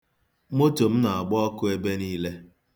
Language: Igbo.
Moto m na-agba ọkụ ebe niile.